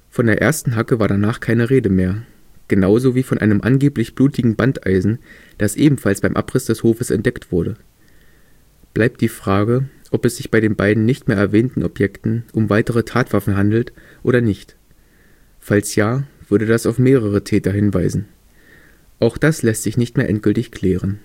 Von der ersten Hacke war danach keine Rede mehr, genauso wie von einem angeblich blutigen Bandeisen, das ebenfalls beim Abriss des Hofes entdeckt wurde. Bleibt die Frage, ob es sich bei den beiden nicht mehr erwähnten Objekten um weitere Tatwaffen handelt oder nicht. Falls ja, würde das auf mehrere Täter hinweisen. Auch das lässt sich nicht mehr endgültig klären